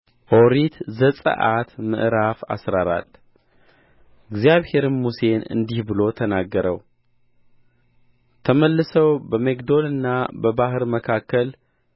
ኦሪት ዘጽአት ምዕራፍ አስራ አራት እግዚአብሔርም ሙሴን እንዲህ ብሎ ተናገረው ተመልሰው በሚግዶልና በባሕር መካከል